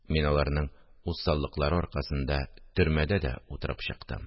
Мин аларның усаллыклары аркасында төрмәдә дә утырып чыктым